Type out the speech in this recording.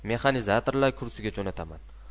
mexanizatorlar kursiga jo'nataman